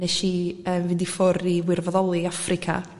nesh i yym fynd i ffwr' i wirfoddoli i Affrica